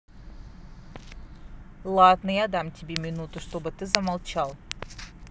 ладно я тебе дам минутку чтобы ты замолчал